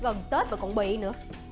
gần tết mà còn bị nữa